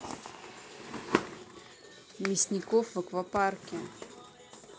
мясников в аквапарке